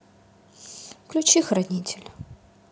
включи хранитель